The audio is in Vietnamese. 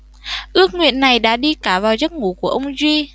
ước nguyện này đã đi cả vào giấc ngủ của ông duy